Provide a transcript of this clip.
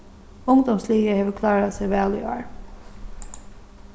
ungdómsliðið hevur klárað seg væl í ár